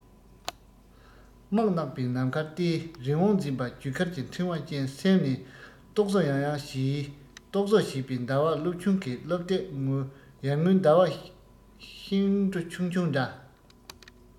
སྨག ནག པའི ནམ མཁར བལྟས རི བོང འཛིན པ རྒྱུ སྐར གྱི ཕྲེང བ ཅན སེམས ནས རྟོག བཟོ ཡང ཡང བྱས རྟོག བཟོ བྱས པའི ཟླ བ སློབ ཆུང གི བསླབ དེབ ངོས ཡར ངོའི ཟླ བ ཤིང གྲུ ཆུང ཆུང འདྲ